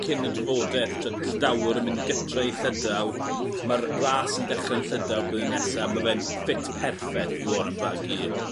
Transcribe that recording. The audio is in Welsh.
cyn y drafodeth t'od Llydawr yn mynd gytre i Llydaw ma'r ras yn dechre yn Llydaw blwyddyn nesa ma' fe'n ffit perffeth i Warren Barguil.